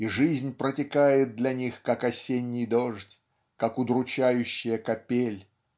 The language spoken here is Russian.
и жизнь протекает для них как осенний дождь как удручающая капель.